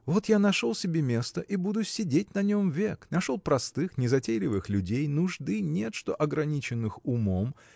Вот я нашел себе место и буду сидеть на нем век. Нашел простых незатейливых людей нужды нет что ограниченных умом